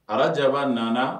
Arajaba nana